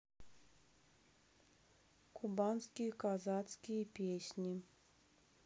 кубанские казацкие песни